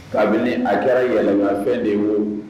Kabini a kɛra yɛlɛmafɛn de ma